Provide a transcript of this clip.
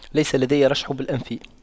ليس لدي رشح بالأنف